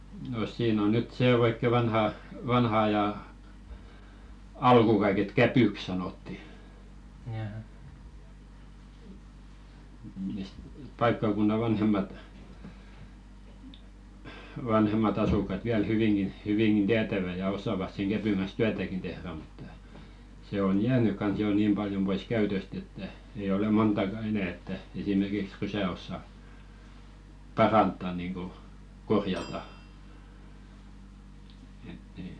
no siinä on nyt se oikein vanha vanhan ajan alku kaiket kävyksi sanottiin mistä paikkakunnan vanhemmat vanhemmat asukkaat vielä hyvinkin hyvinkin tietävät ja osaavat sen kävyn kanssa työtäkin tehdä mutta se on jäänyt kanssa jo niin paljon pois käytöstä että ei ole montakaan enää että esimerkiksi rysää osaa parantaa niin kuin korjata että ei